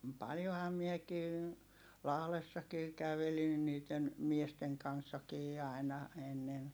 paljonhan minäkin Lahdessakin kävelin niiden miesten kanssakin aina ennen